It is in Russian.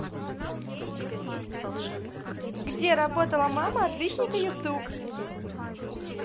где работала мама отличника youtube